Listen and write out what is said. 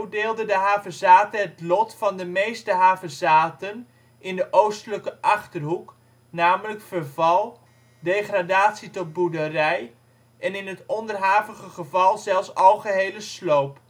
deelde de havezate het lot van de meeste havezaten in de Oostelijke Achterhoek, namelijk verval, degradatie tot boerderij en in het onderhavige geval zelfs algehele sloop